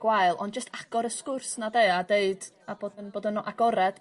gwael ond jyst agor y sgwrs 'na 'de a deud a bod yn bod yn agored